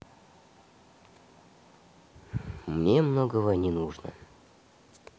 мне много не нужно